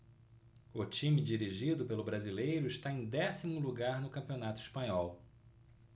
o time dirigido pelo brasileiro está em décimo lugar no campeonato espanhol